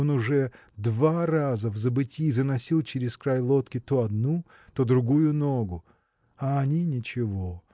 он уж два раза в забытьи заносил через край лодки то одну то другую ногу а они ничего